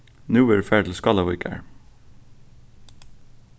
nú verður farið til skálavíkar